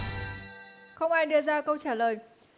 ạ không ai đưa ra câu trả lời